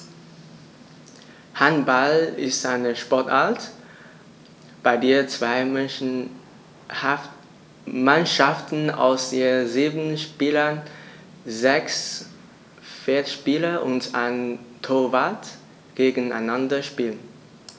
Handball ist eine Sportart, bei der zwei Mannschaften aus je sieben Spielern (sechs Feldspieler und ein Torwart) gegeneinander spielen.